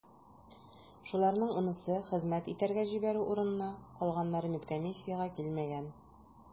Шуларның унысы хезмәт итәргә җибәрү урынына, калганнары медкомиссиягә килмәгән.